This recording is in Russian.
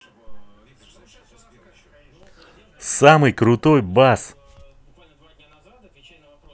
самый крутой бас